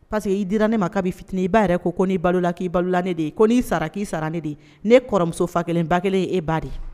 Pa parceseke i dira ne ma kabi fitinin i b' yɛrɛ ko' balola k'i balola ne de ye ko n'i sara k'i sara ne de ye ne kɔrɔmuso fa kelen ba kelen ye e ba de